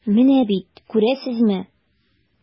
Менә бит, күрәсезме.